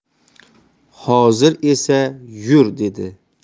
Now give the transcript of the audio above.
hozir esa yur dedi